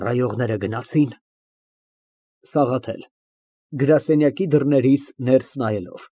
Ծառայողները գնացի՞ն։ ՍԱՂԱԹԵԼ ֊ (Գրասենյակի դռնից ներս նայելով)։